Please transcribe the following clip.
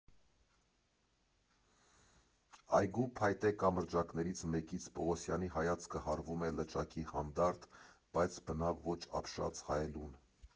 Այգու փայտե կամրջակներից մեկից Պողոսյանի հայացքը հառվում է լճակի հանդարտ, բայց բնավ ոչ ապշած հայելուն։